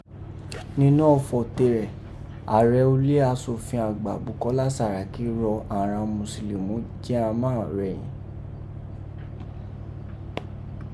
Ninó ọfọ̀ terẹ̀, aarẹ ule asofin agbà, Bukọla Saraki rọ̀ àghan musulumi ji ghan máà rẹ̀yìn.